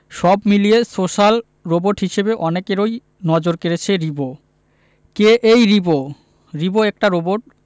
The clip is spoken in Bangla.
সব মিলিয়ে সোশ্যাল রোবট হিসেবে অনেকেরই নজর কেড়েছে রিবো কে এই রিবো রিবো একটা রোবট